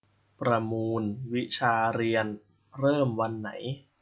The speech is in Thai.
ประมูลวิชาเรียนเริ่มวันไหน